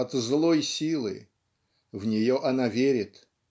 от злой силы (в нее она верит)